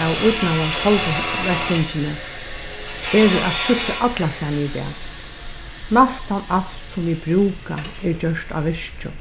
av ídnaðar veltingini eru at síggja allastaðni í dag næstan alt sum vit brúka er gjørt á virkjum